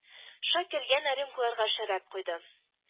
— шакир янә рюмкаларга шәраб койды